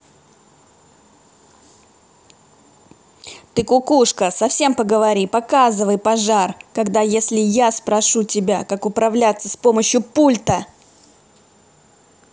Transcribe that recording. ты кукушка совсем поговори показывай пожар когда если я спрошу тебя как управляться с помощью пульта